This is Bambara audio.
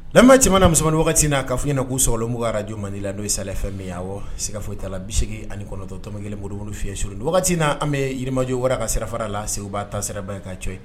Ma ti na musoman wagati n'a kaafin ɲɛna ko sogolo araj malidi la n'o ye safɛ min wa sika foyi ta la bise ani kɔnɔtɔtɔmɔ kelenmounu fiyɛnur wagati n' an bɛ yiriirimajɔ wɛrɛ ka sira fara la segu' taa siraba ye' cɛ ye